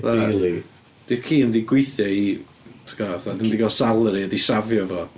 Na... rili... 'di'r ci ddim wedi gweithio i tibod, fatha ddim 'di cael salary a safio fo.